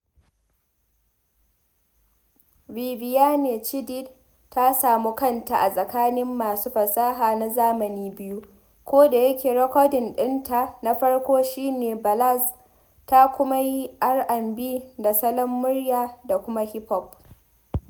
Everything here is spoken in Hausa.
Viviane Chidid ta samu kanta a tsakanin masu fasaha na zamani biyu: kodayake rikodin ɗinta na farko shi ne Mbalax, ta kuma yi R&B da salon murya da kuma hip hop.